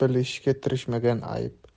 bilishga tirishmagan ayb